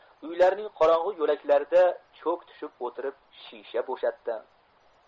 uylarning qorong'u yo'laklarida cho'k tushib o'tirib shisha bo'shatdi